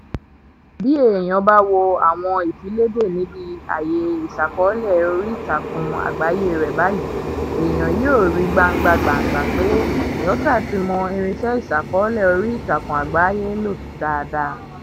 Bí èèyàn bá wo àwọn ìfiléde níbi àyè ìṣàkọọ́lẹ̀ oríìtakùn àgbáyé rẹ̀ báyìí, èèyàn yóò ríi gbangba gbàǹgbà pé Nyota ti mọ irinṣẹ́ ìṣàkọọ́lẹ̀ oríìtakùn àgbáyé lò dáadáa.